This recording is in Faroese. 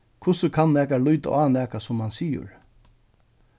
hvussu kann nakar líta á nakað sum hann sigur